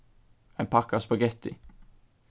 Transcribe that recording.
ein pakka av spagetti